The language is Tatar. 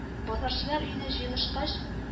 Базарчылар өенә җыелышкач